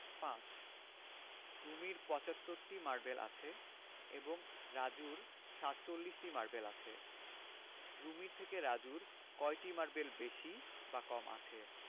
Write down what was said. ৫ রুমির ৭৫টি মারবেল আছে এবং রাজুর ৪৭টি মারবেল আছে রুমির থেকে রাজুর কয়টি মারবেল বেশি বা কম আছে